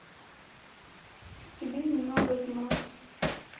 тебе не надо знать